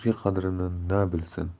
o'zga qadrini na bilsin